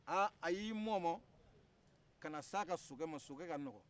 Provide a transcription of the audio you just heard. a y'i mɔmɔ ka na s'aka sokɛ ma sokɛ ka nɔgɔ